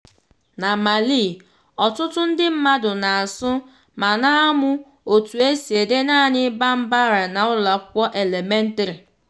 Na Mali, ọtụtụ ndị mmadụ na-asụ ma na-amụ otu esi ede naanị Bambara na ụlọakwụkwọ elementrị.